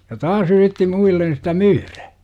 ja taas yritti muille sitä myydä